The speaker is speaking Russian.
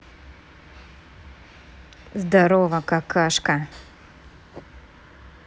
здорово какашка